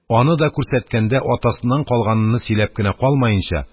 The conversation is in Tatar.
, аны да күрсәткәндә атасыннан калганыны сөйләп кенә калмаенча,